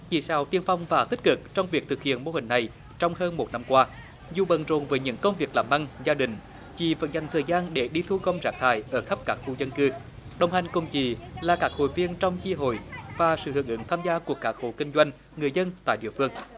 chị sao tiên phong và tích cực trong việc thực hiện mô hình này trong hơn một năm qua dù bận rộn với những công việc làm ăn gia đình chị vẫn dành thời gian để đi thu gom rác thải ở khắp các khu dân cư đồng hành cùng chị là các hội viên trong chi hội và sự hưởng ứng tham gia của các hộ kinh doanh người dân tại địa phương